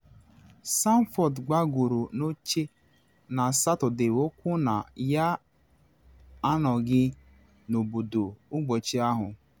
Sanford gbagoro n’oche na Satọde wee kwuo na ya anọghị n’obodo n’ụbọchị ahụ.